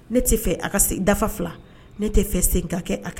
Dafa ne tɛ sen ka kɛ